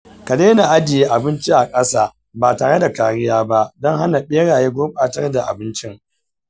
ka daina a ajiye abinci a kasa ba tareda kariya ba don hana beraye gurbatar da abincin.